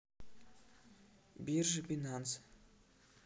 биржа binance